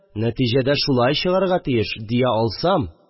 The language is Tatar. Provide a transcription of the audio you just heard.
Нәтиҗәдә шулай чыгарга тиеш», – дия алсам